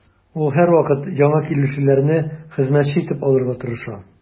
Ул һәрвакыт яңа килүчеләрне хезмәтче итеп алырга тырыша.